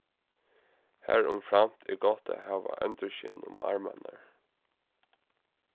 harumframt er gott at hava endurskin um armarnar